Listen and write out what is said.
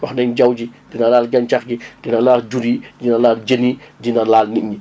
wax nañ jaww ji di na laal gàncax gi dina laal jur yi dina laal jën yi dina laal nit ñi